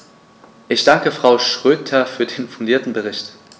Ich danke Frau Schroedter für den fundierten Bericht.